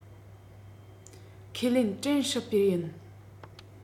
ཁས ལེན དྲན སྲིད པས ཡིན